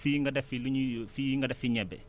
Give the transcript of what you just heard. fii nga def fi lu ñuy fii nga def fi ñebe